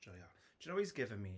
Joio... Do you know what he's giving me?